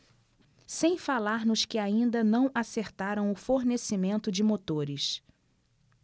sem falar nos que ainda não acertaram o fornecimento de motores